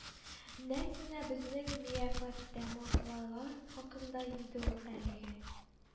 Нәкъ менә безнең миякәтамаклылар хакында инде ул әлеге